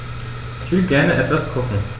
Ich will gerne etwas kochen.